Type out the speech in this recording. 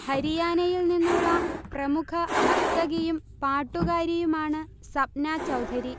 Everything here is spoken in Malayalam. ഹരിയാനയിൽ നിന്നുള്ള പ്രമുഖ നർത്തകിയും പാട്ടുകാരിയുമാണ് സപ്ന ചൗധരി